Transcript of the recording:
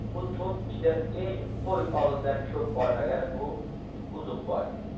bu to'p ichida eng qo'y og'zidan cho'p olmagani bu uzuqboy